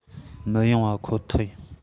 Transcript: མི ཡོང བ ཁོ ཐག ཡིན